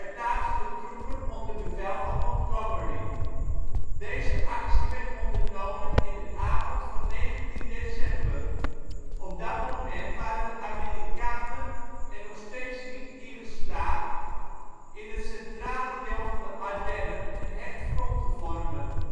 plaatste de troepen onder bevel van Montgomery. Deze actie werd ondernomen in de avond van 19 december. Op dat moment waren de Amerikanen er nog steeds niet in geslaagd in het centrale deel van de Ardennen een hecht front te vormen